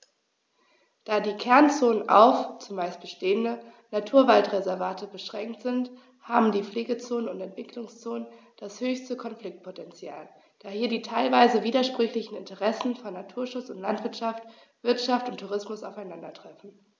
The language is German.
Da die Kernzonen auf – zumeist bestehende – Naturwaldreservate beschränkt sind, haben die Pflegezonen und Entwicklungszonen das höchste Konfliktpotential, da hier die teilweise widersprüchlichen Interessen von Naturschutz und Landwirtschaft, Wirtschaft und Tourismus aufeinandertreffen.